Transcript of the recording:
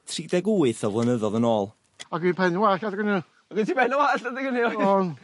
Tri deg wyth o flynyddodd yn ôl. O'dd gin pen wallt adeg yna. O'dd gin ti ben wallt adeg ynny oedd? O'n.